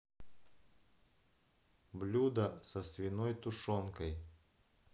блюда со свиной тушенкой